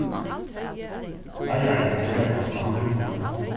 leiðarin kann gevast tá hann hevur hug